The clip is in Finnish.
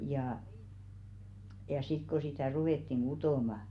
ja ja sitten kun sitä ruvettiin kutomaan